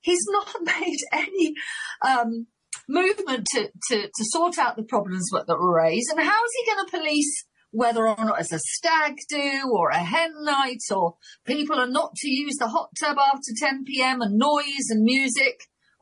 He's not made any yym movement to to to sort out the problems we- that were raised and how's he gonna police whether or not it's a stag do, or a hen night or people are not to use the hot tub after ten PM and noise and music.